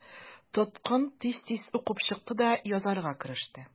Тоткын тиз-тиз укып чыкты да язарга кереште.